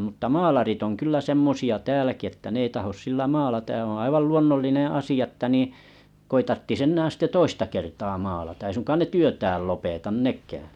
mutta maalarit on kyllä semmoisia täälläkin että ne ei tahdo sillä maalata ja on aivan luonnollinen asia että niin kun ei tarvitsisi enää sitten toista kertaa maalata ei suinkaan ne työtään lopeta nekään